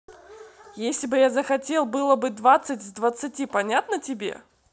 если бы я захотел было бы двадцать с двадцати понятно тебе